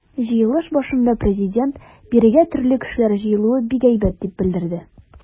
Җыелыш башында Президент: “Бирегә төрле кешеләр җыелуы бик әйбәт", - дип белдерде.